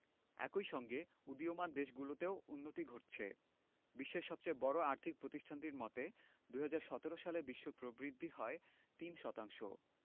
একই সঙ্গে উদীয়মান দেশগুলোতেও উন্নতি ঘটছে বিশ্বের সবচেয়ে বড় আর্থিক প্রতিষ্ঠানটির মতে ২০১৭ সালে বিশ্ব প্রবৃদ্ধি হয় ৩ শতাংশ